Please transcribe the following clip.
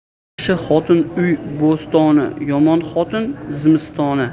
yaxshi xotin uy bo'stoni yomon xotin zimistoni